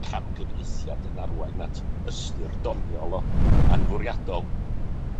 cam-cyfieithiad yn arwain at ystyr doniol o anfwriadol.